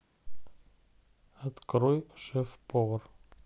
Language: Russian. открой шеф повар